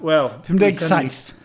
Wel... pum deg saith